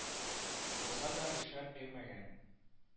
Булса да ришвәт бирмәгән